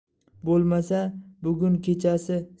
bo'lmasa bugun kechasi